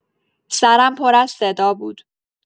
سرم پر از صدا بود.